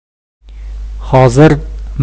xozir mahzun bir